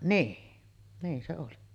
niin niin se oli